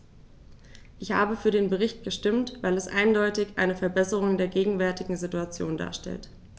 Ich habe für den Bericht gestimmt, weil er eindeutig eine Verbesserung der gegenwärtigen Situation darstellt.